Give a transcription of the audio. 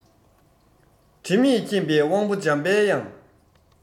དྲི མེད མཁྱེན པའི དབང བོ འཇམ པའི དབྱངས